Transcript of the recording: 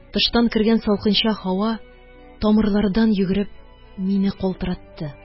Тыштан кергән салкынча һава тамырлардан йөгереп мине калтыратты.